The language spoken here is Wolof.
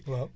waaw